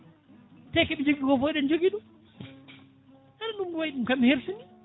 te koɓe jogui ko foof eɗen jogui ɗum aɗa andi ɗum no wayi kam ne hersini